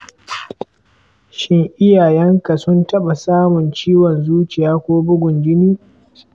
shin, iyayen ka sun taɓa samun ciwon zuciya ko bugun jini?